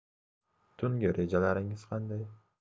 tungi rejalaringiz qanday